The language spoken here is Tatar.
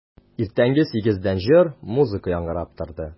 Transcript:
Иртәнге сигездән җыр, музыка яңгырап торды.